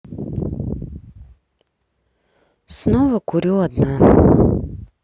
снова курю одна